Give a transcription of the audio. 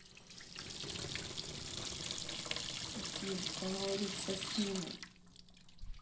хотим поговорить с афиной